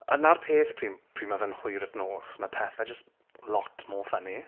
A 'na'r peth pryd pryd ma' fe'n hwyr yn nos, mae pethe jyst lot more funny.